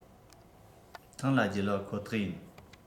ཐང ལ བསྒྱེལ བ ཁོ ཐག ཡིན